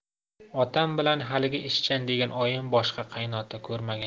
otam bilan haligi ishchan degan oyim boshqa qaynota ko'rmagan